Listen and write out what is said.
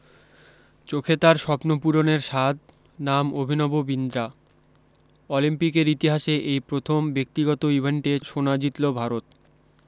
চোখে তার স্বপ্ন পূরণের স্বাদ নাম অভিনব বিন্দ্রা অলিম্পিকের ইতিহাসে এই প্রথম ব্যক্তিগত ইভেন্টে সোনা জিতল ভারত